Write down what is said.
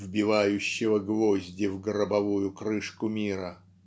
вбивающего гвозди в гробовую крышку мира"